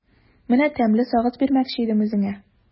Менә тәмле сагыз бирмәкче идем үзеңә.